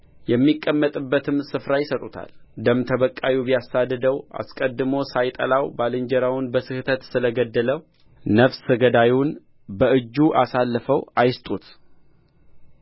የሚቀመጥበትም ስፍራ ይሰጡታል ደም ተበቃዩ ቢያሳድደው አስቀድሞ ሳይጠላው ባልንጀራውን በስሕተት ስለ ገደለው ነፍሰ ገዳዩን በእጁ አሳልፈው አይስጡት